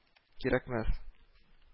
— кирәкмәс